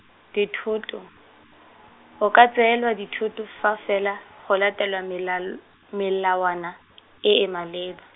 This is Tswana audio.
dithoto, o ka tseelwa dithoto fa fela, go latelwa melal-, melawana, e e maleba.